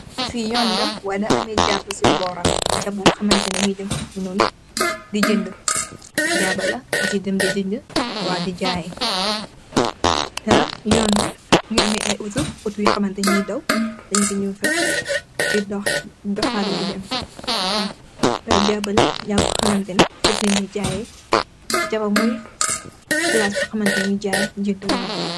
Fi yoonla wayna ameh jaaba si boram jaa bo xamneh de nyoi dem fofu nonu di jenda jaba la niti di den di jenda di jaay teh yoon bi mogi ameh ay auto auto yu hamanteh deh nyoi nitti nyun fa di doxale di dem waw y jabala jaba bo xamtexneh fofu leen deh jaiyeh jaba moi place bo xamtexneh deh nyu jaay jenda waw.